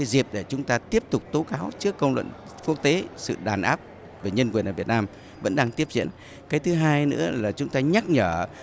dịp để chúng ta tiếp tục tố cáo trước công luận quốc tế sự đàn áp về nhân quyền ở việt nam vẫn đang tiếp diễn cái thứ hai nữa là chúng ta nhắc nhở